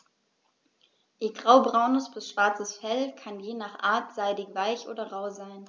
Ihr graubraunes bis schwarzes Fell kann je nach Art seidig-weich oder rau sein.